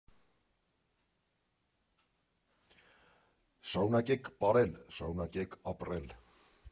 Շարունակե՛ք պարել, շարունակե՛ք ապրել։